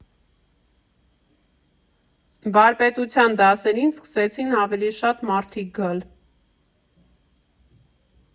Վարպետության դասերին սկսեցին ավելի շատ մարդիկ գալ։